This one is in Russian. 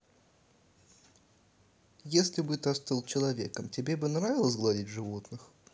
если бы ты стал человеком тебе бы нравилось бы гладить животных